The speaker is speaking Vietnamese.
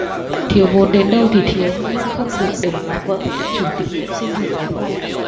thiếu vốn đến đâu thì thiếu nhưng không được để nó vỡ chủ tịch nguyễn sinh hùng nhấn mạnh